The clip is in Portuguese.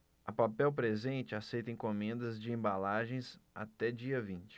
a papel presente aceita encomendas de embalagens até dia vinte